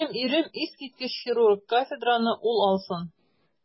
Минем ирем - искиткеч хирург, кафедраны ул алсын.